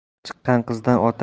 chiqqan qizdan ota